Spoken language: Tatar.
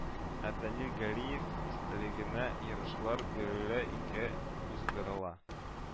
Ә Данил Галиев истәлегенә ярышлар берьюлы икәү уздырыла